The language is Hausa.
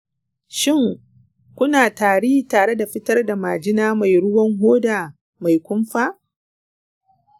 shin, kuna tari tare da fitar da majina mai ruwan hoda mai kumfa?